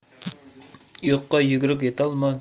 yo'qqa yugruk yetolmas